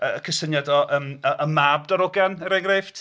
Y cysyniad o yym y Mab Darogan, er engraifft.